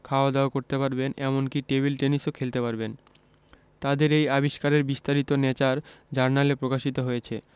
খাওয়া দাওয়া করতে পারবেন এমনকি টেবিল টেনিসও খেলতে পারবেন তাদের এই আবিষ্কারের বিস্তারিত ন্যাচার জার্নালে প্রকাশিত হয়েছে